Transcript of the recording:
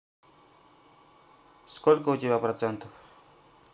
сколько у тебя процентов